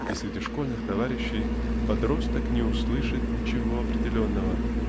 и среди школьных товарищей подросток не услышит ничего определенного.